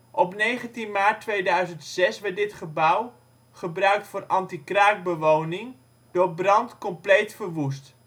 Op 19 maart 2006 werd dit gebouw, gebruikt voor antikraak-bewoning, door brand compleet verwoest